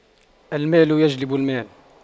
المال يجلب المال